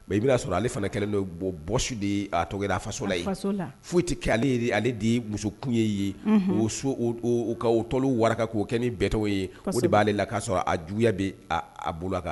I bɛna'a sɔrɔ ale fana kɛlen dɔ bɔ bɔsi de a to a fasosola foyi tɛ kɛ ale ale de musokun ye ye'o so ka tɔ waraka'o kɛ ni bɛɛtɔ ye o de b'aale la k'a sɔrɔ a juguya bɛ a bolo kan